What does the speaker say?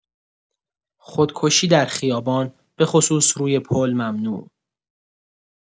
خودکشی در خیابان بخصوص روی پل ممنوع.